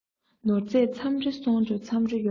ནོར རྗས མཚམས རེ སོང འགྲོ མཚམས རེ ཡོང